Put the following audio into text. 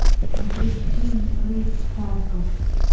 смотреть фильм рейд тарков